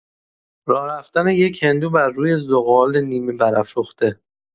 راه‌رفتن یک هندو بر روی ذغال نیمه‌برافروخته